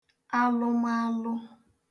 alụmalụ